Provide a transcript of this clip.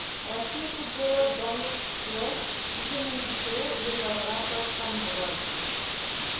Россия футболы данлыклы 2000 нче елларга кайткан бугай.